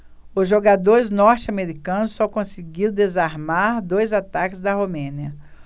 os jogadores norte-americanos só conseguiram desarmar dois ataques da romênia